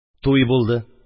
Туй булды